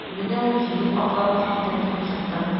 Менә ул җиңел атлап ишектән килеп чыкты.